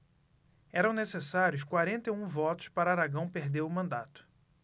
eram necessários quarenta e um votos para aragão perder o mandato